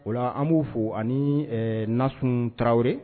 Ola an b'o fɔ ani nas tarawelere